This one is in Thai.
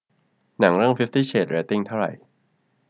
หนังเรื่องฟิฟตี้เชดส์เรตติ้งเท่าไหร่